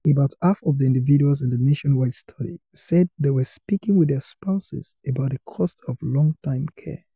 About half of the individuals in the Nationwide study said they were speaking with their spouses about the cost of long-term care.